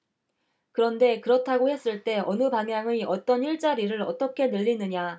그런데 그렇다고 했을 때 어느 방향의 어떤 일자리를 어떻게 늘리느냐